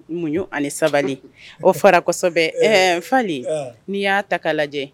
Numu y ani sabali o fara kosɛbɛ ɛɛ falen n'i y'a ta k' lajɛ